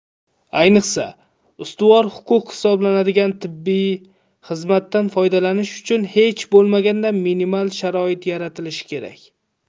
ayniqsa ustuvor huquq hisoblanadigan tibbiy xizmatdan foydalanish uchun hech bo'lmaganda minimal sharoit yaratilishi kerak